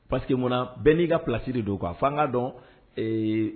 Paseke mun bɛɛ n'i ka plasisiri don' a fan ka dɔn